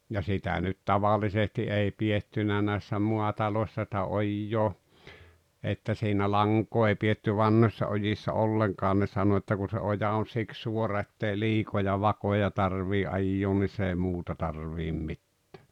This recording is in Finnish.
ja sitä nyt tavallisesti ei pidetty näissä maataloissa sitä ojaa että siinä lankaa ei pidetty vanhoissa ojissa ollenkaan ne sanoi että kun se oja on siksi suora että ei liikoja vakoja tarvitse ajaa niin se ei muuta tarvitse mitään